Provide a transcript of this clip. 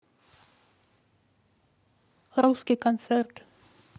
русский концерт